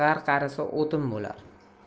g'ar qarisa otin bo'lar